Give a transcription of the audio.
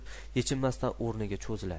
yechinmasdan o'rniga cho'ziladi